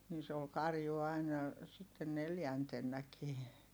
niin se oli karju aina sitten neljäntenäkin